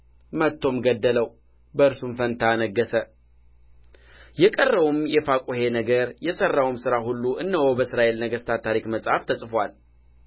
መትቶም ገደለው በእርሱም ፋንታ ነገሠ የቀረውም የፋቁሔ ነገር የሠራውም ሥራ ሁሉ እነሆ በእስራኤል ነገሥታት ታሪክ መጽሐፍ ተጽፎአል